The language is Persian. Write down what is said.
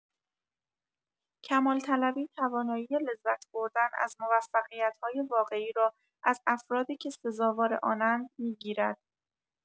کمال‌طلبی توانایی لذت‌بردن از موفقیت‌های واقعی را از افرادی که سزاوار آن‌اند می‌گیرد.